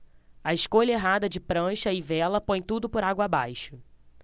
a escolha errada de prancha e vela põe tudo por água abaixo